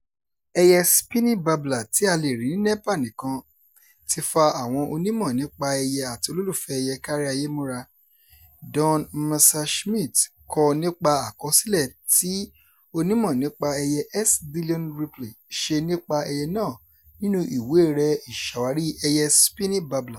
Ẹyẹ Spiny Babbler, tí a lè rí ní Nepal nìkan, ti fa àwọn onímọ̀-nípa-ẹyẹ àti olólùfẹ́ ẹyẹ káríayé mọ́ra. Don Messerschmidt kọ nípa àkọsílẹ̀ tí onímọ̀-nípa-ẹyẹ S. Dillon Ripley ṣe nípa ẹyẹ náà nínú ìwée rẹ̀ Ìṣàwárí ẹyẹ Spiny Babbler: